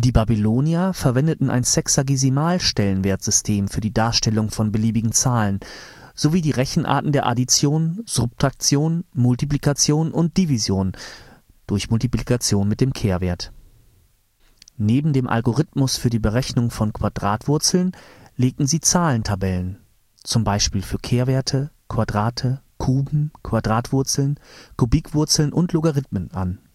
Babylonier verwendeten ein Sexagesimal-Stellenwertsystem für die Darstellung von beliebigen Zahlen sowie die Rechenarten der Addition, Subtraktion, Multiplikation und Division (Multiplikation mit dem Kehrwert). Neben dem Algorithmus für die Berechnung von Quadratwurzeln legten sie Zahlentabellen (z. B. für Kehrwerte, Quadrate, Kuben, Quadratwurzeln, Kubikwurzeln und Logarithmen) an